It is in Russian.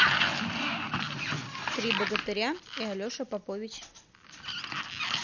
три богатыря и алеша попович